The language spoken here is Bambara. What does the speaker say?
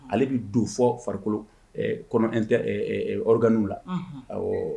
Ale bɛ don fɔ farikolokolo kɔnɔnɛ rukw la